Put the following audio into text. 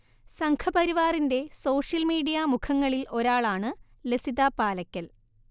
സംഘപരിവാറിന്റെ social media മുഖങ്ങളിൽ ഒരാളാണ് ലസിത പാലയ്ക്കൽ